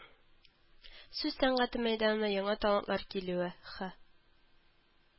Сүз сәнгате мәйданына яңа талантлар килүе Хэ